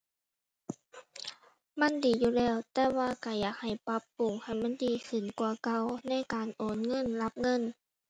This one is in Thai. มันดีอยู่แล้วแต่ว่าก็อยากให้ปรับปรุงให้มันดีขึ้นกว่าเก่าในการโอนเงินรับเงิน